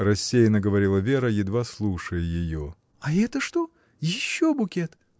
— рассеянно говорила Вера, едва слушая ее. — А это что? Еще букет!